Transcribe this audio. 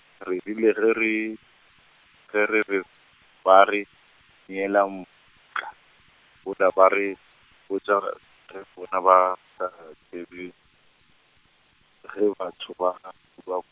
re rile ge re, ge re re, ba re, neela mmutla, wola ba re botša , ge bona ba sa tsebe, ge batho bana rua mm-.